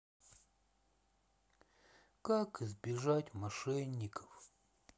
как избежать мошенников